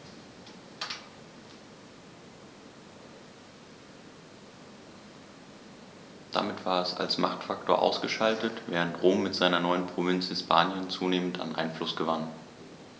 Damit war es als Machtfaktor ausgeschaltet, während Rom mit seiner neuen Provinz Hispanien zunehmend an Einfluss gewann.